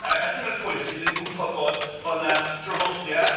A dyna'r pwynt felly dan ni'n gwybod bod... bod 'na draddodiad.